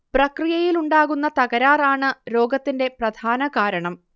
പ്രക്രിയയിലുണ്ടാകുന്ന തകരാർ ആണ് രോഗത്തിന്റെ പ്രധാനകാരണം